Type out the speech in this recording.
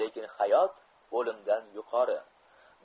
lekin hayot o'limdan yuqori